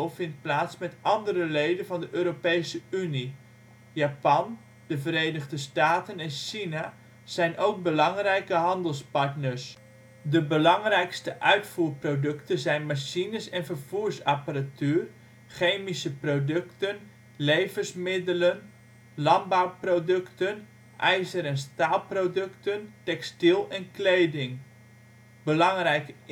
vindt plaats met andere leden van de Europese Unie. Japan, de Verenigde Staten en China zijn ook belangrijke handelspartners. De belangrijkste uitvoerproducten zijn machines en vervoersapparatuur, chemische producten, levensmiddelen, landbouwproducten, ijzer - en staalproducten, textiel en kleding. Belangrijke